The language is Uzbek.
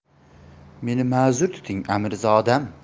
meni mazur tuting amirzodam